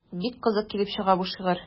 Бик кызык килеп чыга бу шигырь.